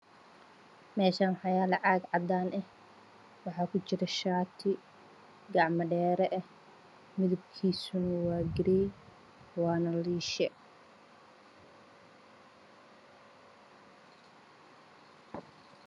Meeshaan waxaa yaalo caag cadaan ah waxaa kujiro shaati gacmo dheer ah midabkiisu waa garee waana liishe.